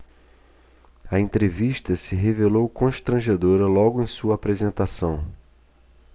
a entrevista se revelou constrangedora logo em sua apresentação